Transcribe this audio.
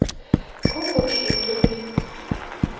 куколки ютубе